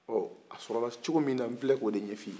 ɔ a sɔra cogo min na n filɛ k'o de ɲɛf'iye